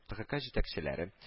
ТКХ җитәкчеләре